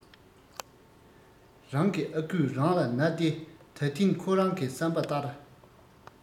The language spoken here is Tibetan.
རང གི ཨ ཁུས རང ལ ན ཏེ ད ཐེངས ཁོ རང གི བསམ པ ལྟར